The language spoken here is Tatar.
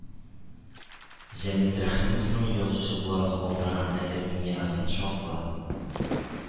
Җәмит Рәхимовның язучы буларак калдырган әдәби мирасын шартлы